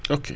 ok